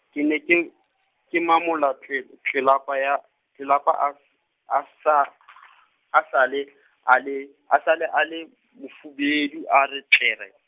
ke ne ke , ke mamola tle-, tlelapa ya, tlelapa a, a sa , a sale, a le, a sale a le m- mofubedu a re tlere.